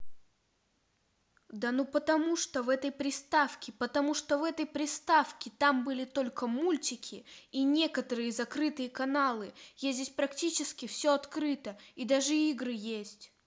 да ну потому что в этой приставке потому что в этой приставке там были только мультики и некоторые закрытые каналы а здесь практически все открыто и даже игры есть